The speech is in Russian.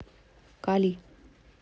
калий